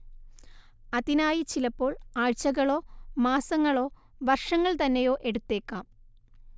അതിനായി ചിലപ്പോൾ ആഴ്ചകളോ മാസങ്ങളോ വർഷങ്ങൾ തന്നെയോ എടുത്തേക്കാം